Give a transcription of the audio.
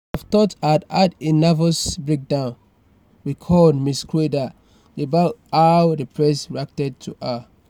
"You would have thought I'd had a nervous breakdown," recalled Ms. Schroeder about how the press reacted to her.